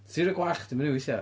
Ti'n rhoi gwallt chdi fyny weithiau.